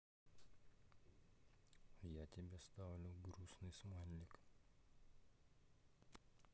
я тебя ставлю грустный смайлик